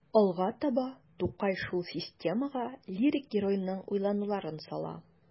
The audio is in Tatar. Алга таба Тукай шул системага лирик геройның уйлануларын сала.